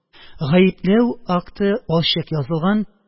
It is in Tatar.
Гаепләү акты ачык язылган